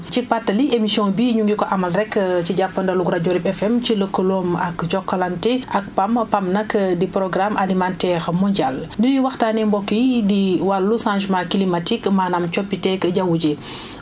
ci pàttali émission bii ñu ngi ko amal rekk ci jàppandalu rajo RIP FM ci lëkkaloom ak Jokalante ak PAM PAM nag di programme alimentaire mondial lu ñuy waxtaanee mbokk yi di wàllu changement climatique nmaanaam coppiteg jaww ji